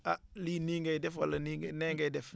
ah lii nii ngay def wala nii ngay nee ngay def